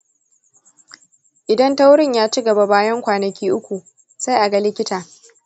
idan taurin ya ci gaba bayan kwanaki uku, sai a ga likita.